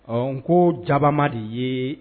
Ɔ n ko jama de ye